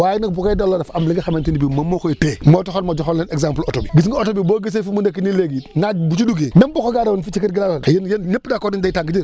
waaye nag bu koy delloo dafa am li nga xamante ni bii moom moo koy téye moo taxonn ma joxoon leen exemple oto bi gis nga oto bi boo gisee fu mu nekk nii léegi naaj bi bu ci duggee même boo ko garé woon fii ci ker gi laa wax te yéen ñëpp d' accord nañ day tàng jër